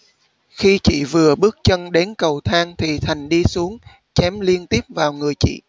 khi chị vừa bước chân đến cầu thang thì thành đi xuống chém liên tiếp vào người chị